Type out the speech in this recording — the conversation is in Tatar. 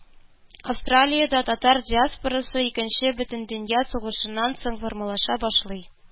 Австралиядә татар диаспорасы Икенче бөтендөнья сугышыннан соң формалаша башлый